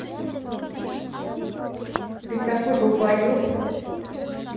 ты такой долбоеб